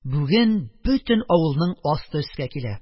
Бүген бөтен авылның асты өскә килә.